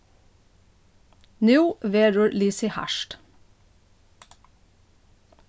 nú verður lisið hart